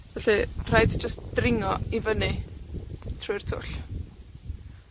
Felly, rhaid jys dringo i fyny, trwy'r twll.